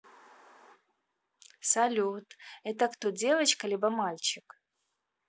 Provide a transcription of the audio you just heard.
салют это кто девочка либо мальчик